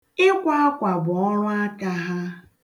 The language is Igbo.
Ịkwa akwa bụ ọrụaka ha.